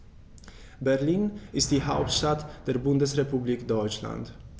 Berlin ist die Hauptstadt der Bundesrepublik Deutschland.